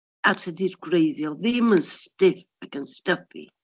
A tydi'r gwreiddiol ddim yn stiff ac yn stuffy.